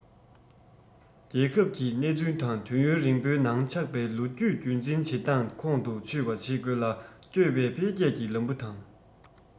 རྒྱལ ཁབ ཀྱི གནས ཚུལ དང དུས ཡུན རིང པོའི ནང ཆགས པའི ལོ རྒྱུས རྒྱུན འཛིན བྱེད སྟངས ཁོང དུ ཆུད པ བྱེད དགོས ལ བསྐྱོད པའི འཕེལ རྒྱས ཀྱི ལམ བུ དང